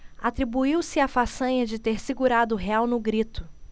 atribuiu-se a façanha de ter segurado o real no grito